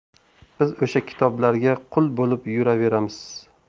biz o'sha kitoblarga qul bo'lib yuraveramiz